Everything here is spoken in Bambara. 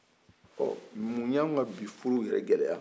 ɔ mun y'an ka bi furu yɛrɛ gɛlɛya